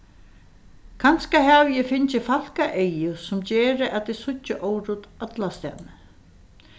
kanska havi eg fingið falkaeygu sum gera at eg síggi órudd allastaðni